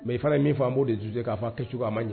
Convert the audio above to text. Mais i fana ye min fɔ an b'o de juger k'a fɔ a k cogo a ma ɲi.